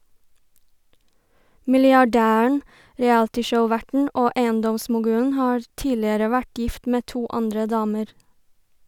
Milliardæren, realityshow-verten og eiendomsmogulen har tidligere vært gift med to andre damer.